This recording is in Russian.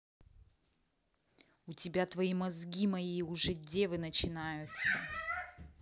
у тебя твои мозги мои уже девы начинаются